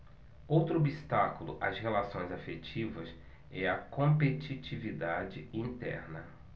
outro obstáculo às relações afetivas é a competitividade interna